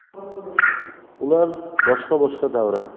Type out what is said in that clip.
ular boshqa boshqa davra